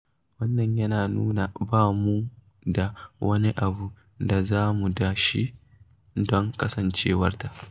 Wannan yana nuna ba mu da wani abu da za mu da shi don kasancewarta.